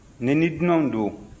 ne ni dunanw don